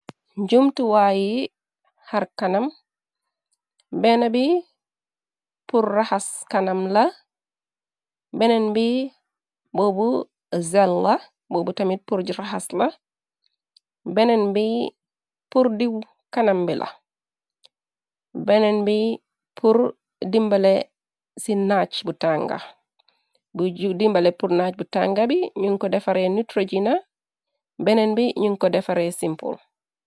Njumtu wayi har kanam, benah bi pur raxas kanam la, benen bi bobu zel la bobu tamit pur raxas la, benen bi pur diw kanam bi la, benen bii pur dimbaleh cii nach bu tanga, bui dimbaleh pur nach bu tanga bi, njun kor defareh neutrogena, benen bi njun kor defareh simple.